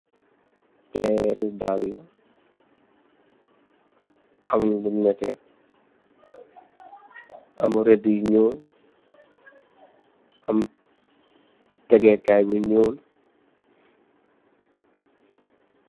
Pééri dalla am lu netteh am redd yu ñuul am tegeh kay bu ñuul.